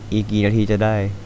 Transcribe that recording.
อีกกี่นาทีจะได้